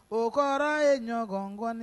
O kɔrɔ ye ɲɔgɔn kɔnɔni